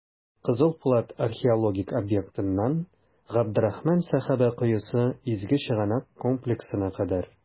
«кызыл пулат» археологик объектыннан "габдрахман сәхабә коесы" изге чыганак комплексына кадәр.